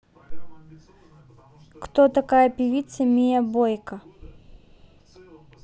кто такая певица mia boyka